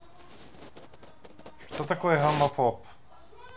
что такое гомофоб